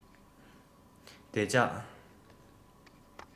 བདེ འཇགས